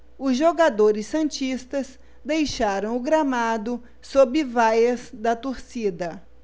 os jogadores santistas deixaram o gramado sob vaias da torcida